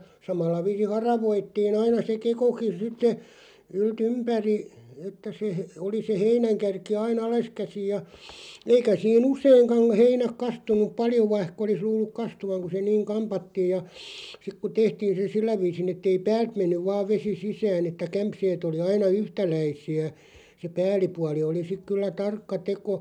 samalla viisin haravoitiin aina se kekokin sitten yltympäri että se oli se heinänkärki aina alaskäsin ja eikä siinä useinkaan heinät kastunut paljon vaikka olisi luullut kastuvan kun se niin kammattiin ja sitten kun tehtiin se sillä viisin että ei päältä mennyt vain vesi sisään että kämseet oli aina yhtäläisiä se päällipuoli oli sitten kyllä tarkka teko